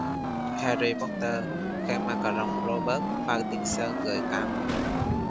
harry potter khen ma cà rồng robert pattinson gợi cảm